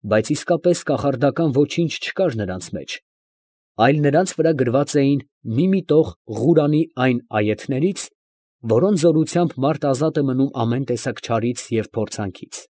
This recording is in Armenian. Բայց իսկապես կախարդական ոչինչ չկար նրանց մեջ, այլ նրանց վրա դրված էին մի֊մի տող Ղորանի այն այեթներից, որոնց զորությամբ մարդ ազատ է մնում ամեն տեսակ չարից և փորձանքից։